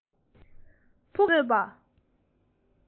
ཕུགས བསམ ནི གོང དུ སྨོས པ